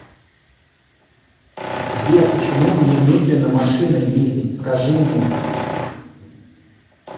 сбер почему мне медленно машина ездить скажи мне